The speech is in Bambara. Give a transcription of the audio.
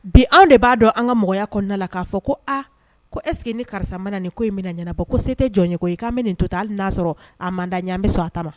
Bi anw de b'a dɔn an ka mɔgɔya kɔnɔna la k'a fɔ ko a ko esseke ni karisa mana ni ko in na ɲɛnabɔ ko se tɛ jɔn yekɔ ye k'a min nin to taa n'asɔrɔ sɔrɔ a manden an bɛ sɔn a ta ma